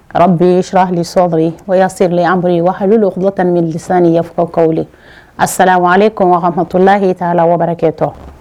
O y' sera an bolo wa halil tɛmɛlisa ni ɲɛfɔkaw a sara ale kɔnmatɔla h t' a lakɛ tɔ